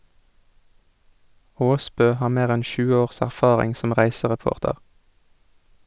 Aasbø har mer enn 20 års erfaring som reisereporter.